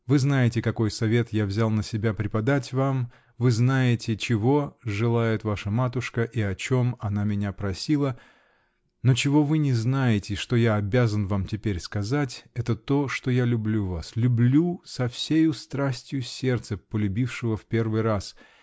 Вы знаете, какой совет я взял на себя преподать вам, вы знаете, чего желает ваша матушка и о чем она меня просила, -- но чего вы не знаете и что я обязан вам теперь сказать, -- это то, что я люблю вас, люблю со всею страстью сердца, полюбившего в первый раз!